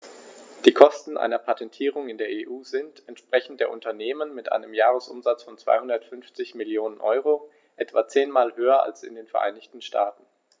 Die Kosten einer Patentierung in der EU sind, entsprechend der Unternehmen mit einem Jahresumsatz von 250 Mio. EUR, etwa zehnmal höher als in den Vereinigten Staaten.